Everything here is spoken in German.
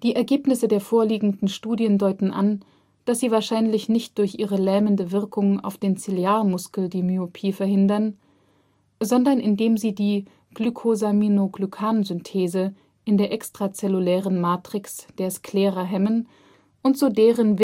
Ergebnisse der vorliegenden Studien deuten an, dass sie wahrscheinlich nicht durch ihre lähmende Wirkung auf den Ziliarmuskel die Myopie verhindern, sondern indem sie die Glykosaminoglykan-Synthese in der extrazellulären Matrix der Sclera hemmen und so deren